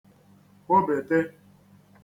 kwobète